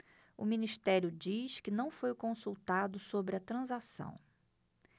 o ministério diz que não foi consultado sobre a transação